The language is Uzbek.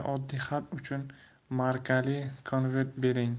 uchun markali convert bering